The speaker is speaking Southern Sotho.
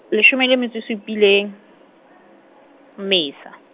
leshome le metso e supileng , Mmesa.